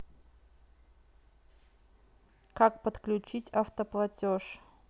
как подключить автоплатеж